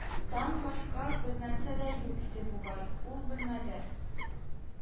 Тан башка бернәрсә дә юк иде бугай ул бүлмәдә